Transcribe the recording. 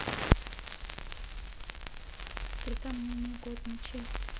ты там не негодничай